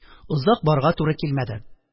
Озак барырга туры килмәде.